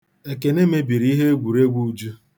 Ekene mebiri iheegwuregwu Uju.